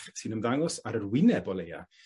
sy'n ymddangos ar yr wyneb o leia